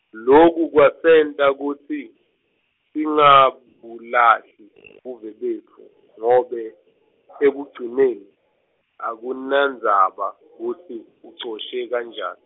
loku kwasenta kutsi, singabulahli , buve betfu, ngobe, ekugcineni, akunandzaba kutsi, ucoshe kanjani.